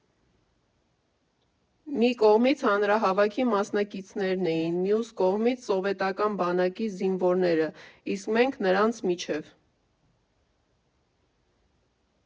Մի կողմից հանրահավաքի մասնակիցներն էին, մյուս կողմից սովետական բանակի զինվորները, իսկ մենք նրանց միջև։